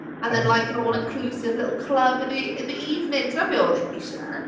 And then like an all-inclusive little club in the in the evening. Dyna beth oedd e eisiau.